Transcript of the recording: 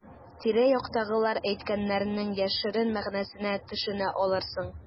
Тирә-яктагылар әйткәннәрнең яшерен мәгънәсенә төшенә алырсың.